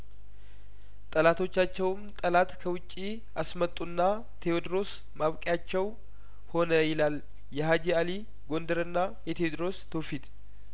ጠላቶቻቸውም ጠላት ከውጪ አስመጡና ቴዎድሮስ ማብቂያቸው ሆነ ይላል የሀጂ አሊ ጐንደርና የቴድሮስ ትውፊት